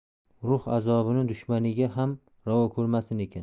ruh azobini dushmaningga ham ravo ko'rmasin ekan